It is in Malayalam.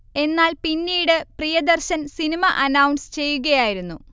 എന്നാൽ പിന്നീട് പ്രിയദർശൻ സിനിമ അനൗൺസ് ചെയ്കയായിരുന്നു